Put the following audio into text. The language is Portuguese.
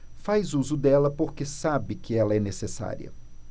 faz uso dela porque sabe que ela é necessária